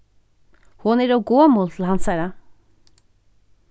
hon er ov gomul til hansara